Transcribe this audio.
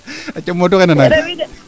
aca Modou xay nanang